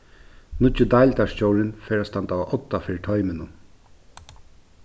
nýggi deildarstjórin fer at standa á odda fyri toyminum